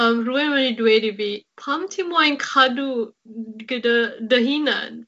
yym rywun wegi dweud i fi pam ti moyn cadw gyda dy hunan